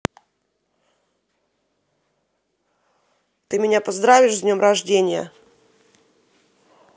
ты меня поздравишь с днем рождения